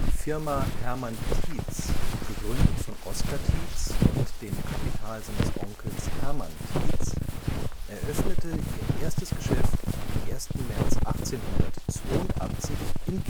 Firma Hermann Tietz, gegründet von Oscar Tietz mit dem Kapital seines Onkels Hermann Tietz, eröffnete ihr erstes Geschäft am 1. März 1882 in